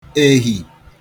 èhì